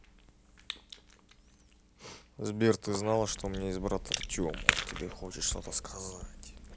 сбер ты знала что у меня есть брат артем он к тебе хочет что хочет сказать